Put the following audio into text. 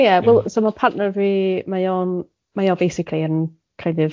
Ie wel, so ma' partner fi mae o'n mae o basically yn kind of